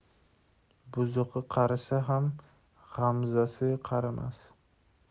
buzuqi qarisa ham g'amzasi qarimas